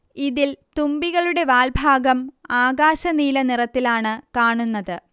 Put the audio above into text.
ഇതിൽ തുമ്പികളുടെ വാൽ ഭാഗം ആകാശനീല നിറത്തിലാണ് കാണുന്നത്